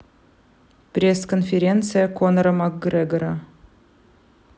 пресс конференция конора макгрегора